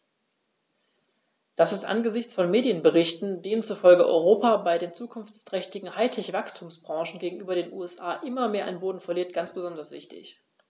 Das ist angesichts von Medienberichten, denen zufolge Europa bei den zukunftsträchtigen High-Tech-Wachstumsbranchen gegenüber den USA immer mehr an Boden verliert, ganz besonders wichtig.